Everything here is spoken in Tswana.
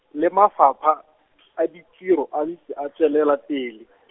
le Mafapha , a ditiro, a ntse a tswelela pele .